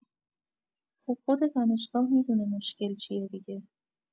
خب خود دانشگاه می‌دونه مشکل چیه دیگه